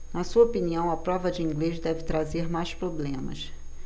na sua opinião a prova de inglês deve trazer mais problemas